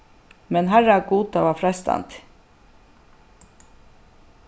men harragud tað var freistandi